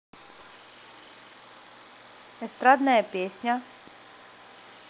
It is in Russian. эстрадная песня